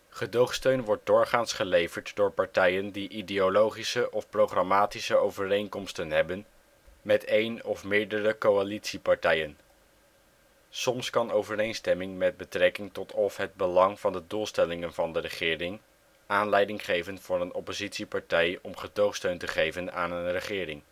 Gedoogsteun wordt doorgaans geleverd door partijen die ideologische of programmatische overeenkomsten hebben met een of meerdere coalitiepartijen. Soms kan overeenstemming met betrekking tot of het belang van de doelstellingen van de regering aanleiding geven voor een oppositiepartij om gedoogsteun te geven aan een regering